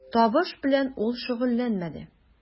Табыш белән ул шөгыльләнмәде.